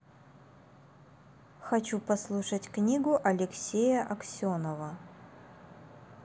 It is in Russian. хочу послушать книгу алексея аксенова